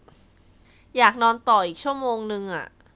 อยากนอนต่ออีกชั่วโมงนึงอะ